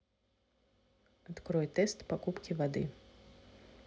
открой тест покупки воды